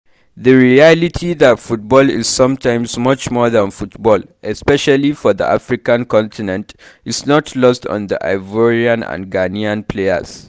The reality that football is sometimes “much more than football”, especially for the African Continent, is not lost on the Ivorian and Ghanaian players.